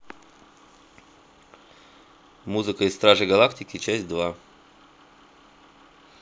музыка из стражей галактики часть два